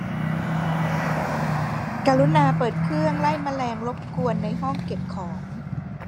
กรุณาเปิดเครื่องไล่แมลงรบกวนในห้องเก็บของ